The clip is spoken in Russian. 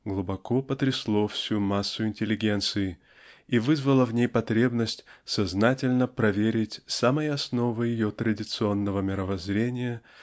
глубоко потрясло всю массу интеллигенции и вызвало в ней потребность сознательно проверить самые основы ее традиционного мировоззрения